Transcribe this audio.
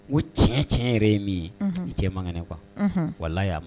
O tiɲɛ tiɲɛ yɛrɛ ye min ye i cɛ man kɛnɛ ne kuwa wala la'a